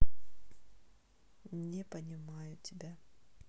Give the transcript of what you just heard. не понимаю тебя